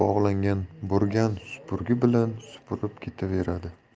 bog'langan burgan supurgi bilan supurib ketaveradi